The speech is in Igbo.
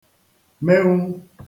menwu